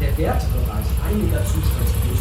Wertebereich einiger Zustandsgrößen